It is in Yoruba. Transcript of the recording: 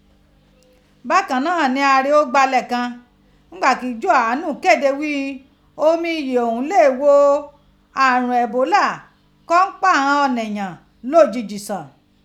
Bakan naa ni ario gba ilẹ kan nigba ki Jòhánù kede ghii omi iye oun le gho arun ẹ̀bólà ko n pa eeyan lojiji san.